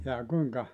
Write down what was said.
jaa kuinka